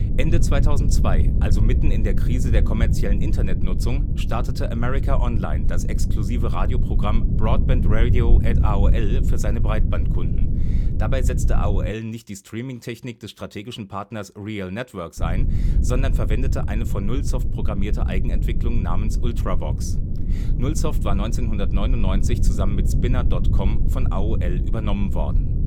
Ende 2002, also mitten in der Krise der kommerziellen Internet-Nutzung, startete America Online das exklusive Radioprogramm Broadband Radio @ AOL für seine Breitband-Kunden; dabei setzte AOL nicht die Streamingtechnik des strategischen Partners Real Networks ein, sondern verwendete eine von Nullsoft programmierte Eigenentwicklung namens Ultravox; Nullsoft war 1999 zusammen mit Spinner.com von AOL übernommen worden